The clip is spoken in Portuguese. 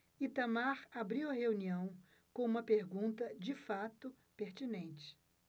itamar abriu a reunião com uma pergunta de fato pertinente